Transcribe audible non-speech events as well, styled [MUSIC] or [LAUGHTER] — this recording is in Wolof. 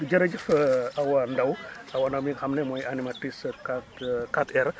jërëjëf [HESITATION] Awa Ndao Awa Ndao mi nga xam ne mooy animatrice 4 [HESITATION] 4R